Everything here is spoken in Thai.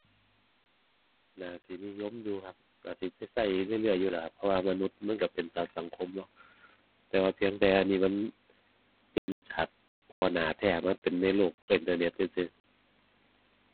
น่าสินิยมอยู่ครับ น่าสิไปใช้เรื่อยเรื่อยอยู่แหละครับ เพราะว่ามนุษย์มันใช้เป็นสัตว์สังคมเนาะ แต่ว่าเพียงแต่อันนี้มันเปลี่ยนจากพ้อหน้าแท้มาเป็นในโลกอินเทอร์เน็ตซื่อซื่อ